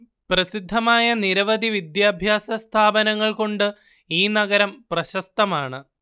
പ്രസിദ്ധമായ നിരവധി വിദ്യാഭ്യാസ സ്ഥാപനങ്ങള്‍ കൊണ്ട് ഈ നഗരം പ്രശസ്തമാണ്